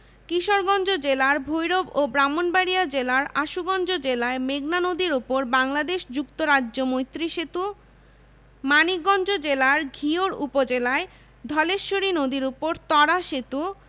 ঢাকার সাভার উপজেলায় তালিবাবাদ এবং ঢাকা মহানগরীর মহাখালীতে মোট তিনটি উপগ্রহ ভূ কেন্দ্র